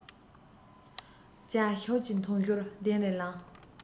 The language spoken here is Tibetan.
ཇ ཤུགས ཀྱིས འཐུང ཞོར གདན ལས ལངས